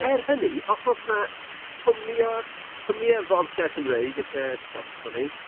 ...er hynny os o's 'na cwmnia cwmnie fodca Cymreig isie sponsro ni,